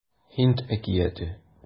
Һинд әкияте